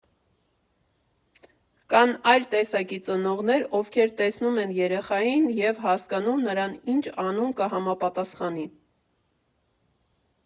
Կան այլ տեսակի ծնողներ, ովքեր տեսնում են երեխային, և հասկանում նրան ինչ անուն կհամապատասխանի։